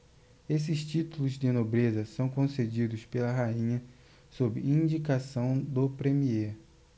esses títulos de nobreza são concedidos pela rainha sob indicação do premiê